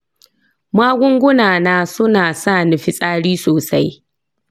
magunguna na suna sa ni fitsari sosai.